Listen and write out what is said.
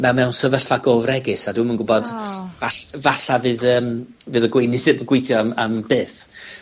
mae o mewn sefyllfa go fregys, a dw'm yn gwbod... O. ...fall- falla bydd yym, bydd y gweinydd ddim yn gweithi ddim yn gweithio am am byth.